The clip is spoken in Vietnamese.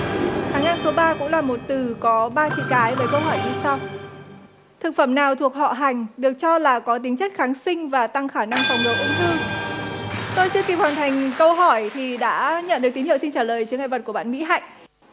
hàng ngang số ba cũng là một từ có ba chữ cái với câu hỏi như sau thực phẩm nào thuộc họ hành được cho là có tính chất kháng sinh và tăng khả năng phòng ngừa ung thư tôi chưa kịp hoàn thành câu hỏi thì đã nhận được tín hiệu xin trả lời chướng ngại vật của bạn mỹ hạnh